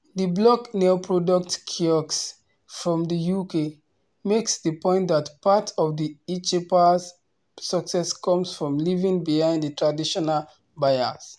The blog NeoProducts Kiosks, from the UK, makes the point that part of eChoupal’s success comes from leaving behind the traditional buyers.